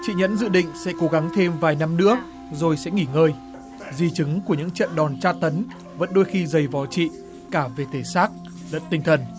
chị nhẫn dự định sẽ cố gắng thêm vài năm nữa rồi sẽ nghỉ ngơi di chứng của những trận đòn tra tấn vẫn đôi khi dày vò chị cả về thể xác lẫn tinh thần